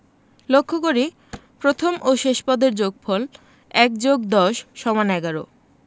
লক্ষ করি প্রথম ও শেষ পদের যোগফল ১+১০=১১